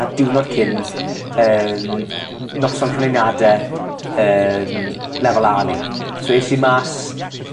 ar diwrnod cyn yym noson canlyniade yym lefel Ah ni. So es i mas